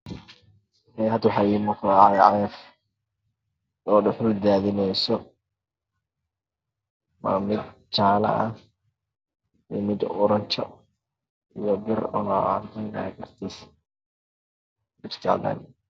Waa cagaf cagaf oo dhuxul daadineyso. Waa mid jaale ah iyo mid orji ah iyo bir.